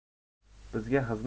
bizga xizmat bormi